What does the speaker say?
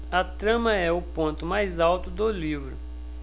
a trama é o ponto mais alto do livro